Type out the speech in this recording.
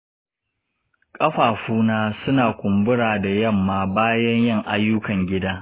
ƙafafuna suna kumbura da yamma bayan yin ayyukan gida.